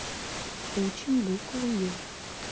учим буквы ежик